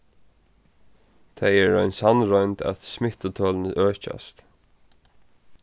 tað er ein sannroynd at smittutølini økjast